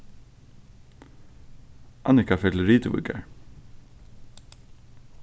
annika fer til rituvíkar